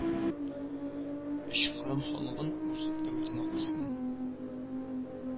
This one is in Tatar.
Өч кырым ханлыгын рус дәүләтенә кушу